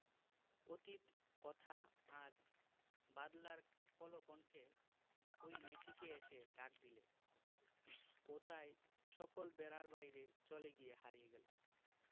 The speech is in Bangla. অতীত কথা আজ বাদলার কলকণ্ঠে ঐ মেয়েটিকে এসে ডাক দিলে ও তাই সকল বেড়ার বাইরে চলে গিয়ে হারিয়ে গেল